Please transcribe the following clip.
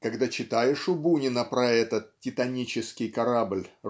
Когда читаешь у Бунина про этот титанический корабль